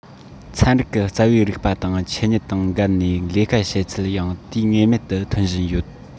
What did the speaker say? ཚན རིག གི རྩ བའི རིགས པ དང ཆོས ཉིད དང འགལ ནས ལས ཀ བྱེད ཚུལ ཡང དུས ངེས མེད དུ ཐོན བཞིན ཡོད